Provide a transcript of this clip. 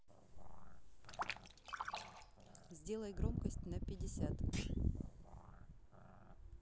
сделай громкость на пятьдесят